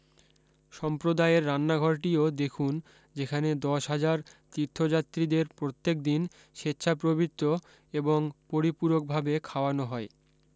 সম্প্রদায়ের রান্নাঘরটিও দেখুন যেখানে দশ হাজার তীর্থযাত্রীদের প্রত্যেকদিন স্বেচ্ছাপ্রবৃত্ত এবং পরিপূরকভাবে খাওয়ানো হয়